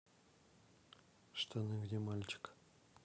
штаны где мальчик